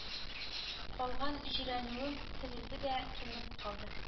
Калган җирәнүем терелде дә тынны каплады